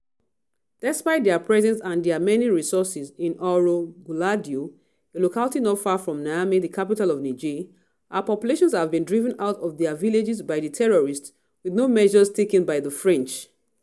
Despite their presence and their many resources, in Ouro Guéladio, a locality not far from Niamey, the capital of Niger, our populations have been driven out of their villages by the terrorists, with no measures taken by the French.